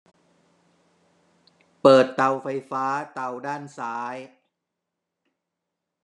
เปิดเตาไฟฟ้าเตาด้านซ้าย